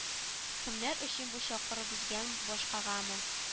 Кемнәр өчен бу чакыру безгәме башкагамы